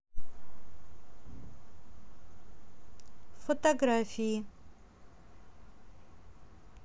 фотографии